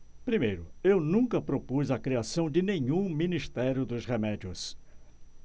primeiro eu nunca propus a criação de nenhum ministério dos remédios